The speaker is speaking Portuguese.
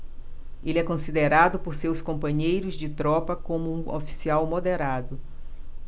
ele é considerado por seus companheiros de tropa como um oficial moderado